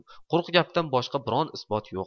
quruq gapdan boshqa biron isbot yo'q